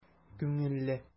Күңелле!